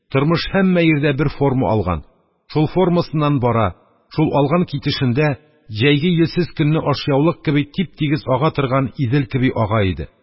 Тормыш һәммә йирдә бер форма алган, шул формасыннан бара, шул алган китешендә, җәйге йилсез көнне ашъяулык кеби тип-тигез ага торган Идел кеби ага иде.